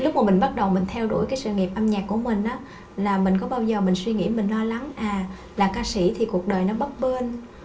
lúc mà mình bắt đầu mình theo đuổi cái sự nghiệp âm nhạc của mình á là mình có bao giờ mình suy nghĩ mình lo lắng à là ca sĩ thì cuộc đời nó bấp bênh